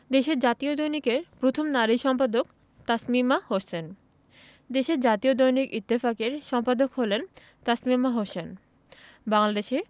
দেশের জাতীয় দৈনিকের প্রথম নারী সম্পাদক তাসমিমা হোসেন দেশের জাতীয় দৈনিক ইত্তেফাকের সম্পাদক হলেন তাসমিমা হোসেন বাংলাদেশে